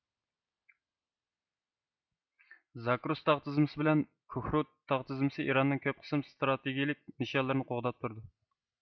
زاگرۇس تاغ تىزمىسى بىلەن كۇھرۇد تاغ تىزمىسى ئىراننىڭ كۆپ قىسىم ستراتېگىيىلىك نىشانلىرىنى قوغداپ تۇرىدۇ